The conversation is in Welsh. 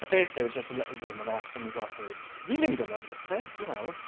Y peth yw, it's just a little rumour that accidentally got heard. Fi'n wneud hwnna 'fyd, you know.